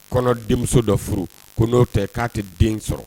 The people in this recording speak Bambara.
Kɔnɔ denmuso dɔ furu ko n'o tɛ k'a tɛ den sɔrɔ